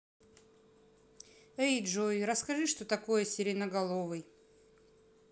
эй джой расскажи что такое сиреноголовый